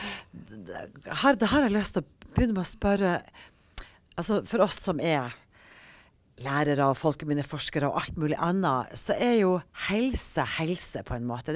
har da har jeg lyst til å begynne med å spørre, altså for oss som er lærere og folkeminneforskere og alt mulig anna, så er jo helse helse på en måte.